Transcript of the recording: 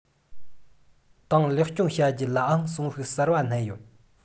ཏང ལེགས སྐྱོང བྱ རྒྱུ ལའང གསོན ཤུགས གསར པ བསྣན ཡོད